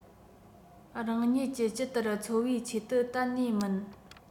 རང ཉིད ཀྱི ཇི ལྟར འཚོ བའི ཆེད དུ གཏན ནས མིན